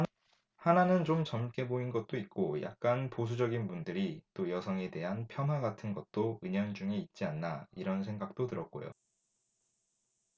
하나는 좀 젊게 보인 것도 있고 약간 보수적인 분들이 또 여성에 대한 폄하 같은 것도 은연중에 있지 않나 이런 생각도 들었고요